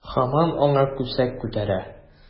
Һаман аңа күсәк күтәрә.